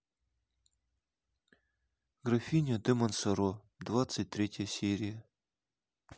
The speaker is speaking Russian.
графиня де монсоро двадцать третья серия